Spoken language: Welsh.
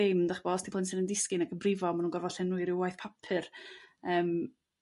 dim 'dach ch'bo' os 'di plentyn yn disgyn ag yn brifo ma' nhwn gorfo' llenwi ryw waith papur yrm.